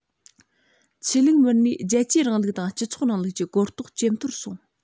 ཆོས ལུགས མི སྣའི རྒྱལ གཅེས རིང ལུགས དང སྤྱི ཚོགས རིང ལུགས ཀྱི གོ རྟོགས ཇེ མཐོར སོང